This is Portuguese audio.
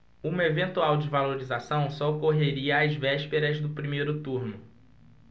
uma eventual desvalorização só ocorreria às vésperas do primeiro turno